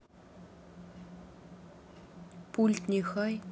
пульт не хай